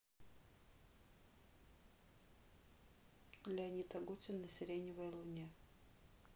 леонид агутин на сиреневой луне